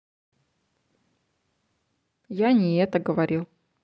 я не это говорил